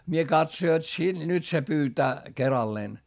minä katso jotta - nyt se pyytää keralleen